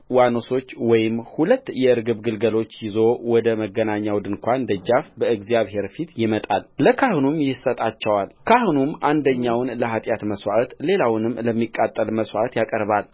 ዋኖሶች ወይም ሁለት የርግብ ግልገሎች ይዞ ወደ መገናኛው ድንኳን ደጃፍ በእግዚአብሔር ፊት ይመጣል ለካህኑም ይሰጣቸዋልካህኑም አንደኛውን ለኃጢአት መሥዋዕት ሌላውንም ለሚቃጠል መሥዋዕት ያቀርባል